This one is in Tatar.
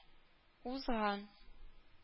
Узган